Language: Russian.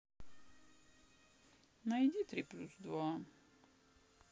найди три плюс два